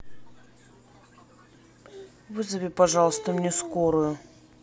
вызови пожалуйста мне скорую